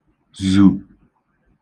zù